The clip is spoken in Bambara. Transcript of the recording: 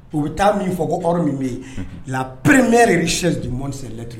U bɛ taa min fɔ ko yɔrɔ min bɛ yen la pereme yɛrɛre sɛti mɔn selilɛti